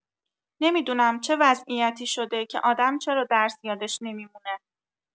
نمی‌دونم چه وضعیتی شده که آدم چرا درس یادش نمی‌مونه